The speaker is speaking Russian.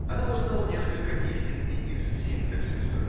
Она узнала несколько истин и из синтаксиса